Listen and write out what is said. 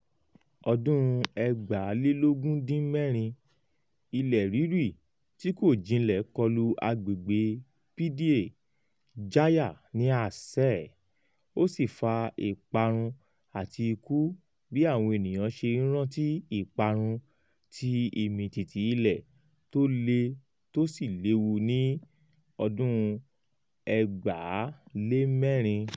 2016: ilẹ̀-rírì tí kò jinlẹ̀ kọlu agbègbè Pidie Jaya ní Aceh, ó sì fa ìparun àti ikú bí àwọn ènìyàn ṣe ń rántí ìparun ti ìmìtìtì ilẹ̀ tó le tó sì léwu ní 2004.